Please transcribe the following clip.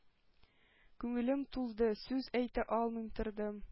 Күңелем тулды, сүз әйтә алмый тордым.